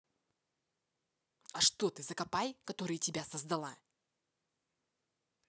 а что ты закопай которые тебя создала